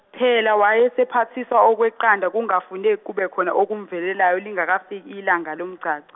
phela wayesephathiswa okweqanda kungafuneki kubekhona okumvelelayo lingakafiki ilanga lomgcagco.